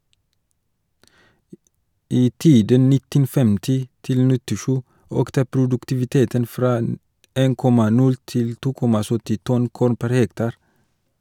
I tiden 1950 -97 økte produktiviteten fra 1,0 til 2,70 tonn korn pr. hektar.